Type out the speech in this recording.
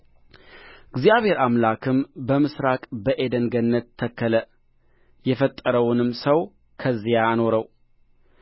እግዚአብሔር አምላክም በምሥራቅ በዔድን ገነትን ተከለ የፈጠረውንም ሰው ከዚያው አኖረው